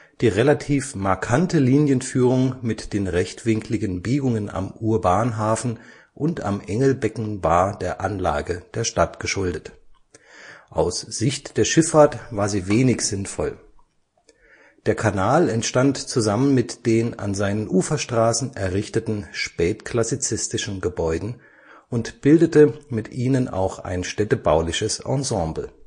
Die relativ markante Linienführung mit den rechtwinkligen Biegungen am Urbanhafen und am Engelbecken war der Anlage der Stadt geschuldet. Aus Sicht der Schifffahrt war sie wenig sinnvoll. Der Kanal entstand zusammen mit den an seinen Uferstraßen errichteten spätklassizistischen Gebäuden und bildete mit ihnen auch ein städtebauliches Ensemble